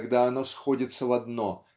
когда оно сходится в одно